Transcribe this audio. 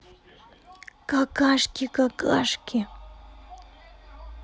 какашки какашки